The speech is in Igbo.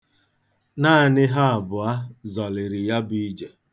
Naanị ha abụọ zọliri ya bụ ije.